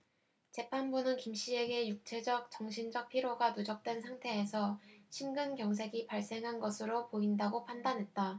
재판부는 김씨에게 육체적 정신적 피로가 누적된 상태에서 심근경색이 발생한 것으로 보인다고 판단했다